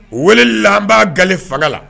U wele laban gale faga la